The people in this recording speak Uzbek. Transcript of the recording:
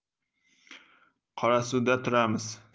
qorasuvda turamiz